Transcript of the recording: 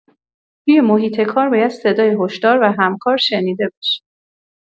توی محیط کار باید صدای هشدار و همکار شنیده بشه.